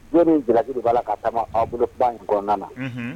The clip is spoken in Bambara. Jo ni jalaki b'a la ka taama aw bolo kuma in kɔnɔna na